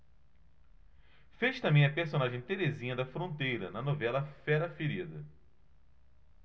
fez também a personagem terezinha da fronteira na novela fera ferida